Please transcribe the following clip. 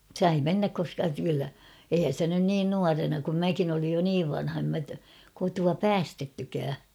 sai mennä koska kyllä eihän sitä nyt niin nuorena kun minäkin olin jo niin vanha en minä kotoa päästettykään